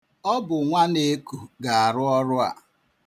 Ọ bụ nwaneku ga-arụ ọrụ a.